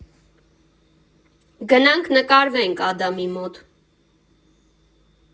Գնանք նկարվենք Ադամի մոտ։